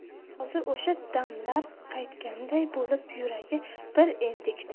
hozir o'sha damlar qaytganday bo'lib yuragi bir entikdi